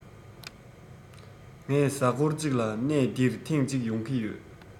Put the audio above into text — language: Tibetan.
ངས གཟའ མཁོར ཅིག ལ གནས འདིར ཐེང ཅིག ཡོང གི ཡོད